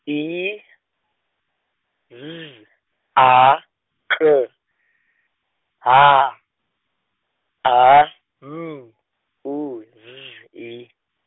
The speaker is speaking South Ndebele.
I, Z, A, K , H, A, M, U, Z, I.